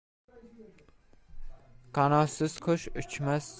qanotsiz qush uchmas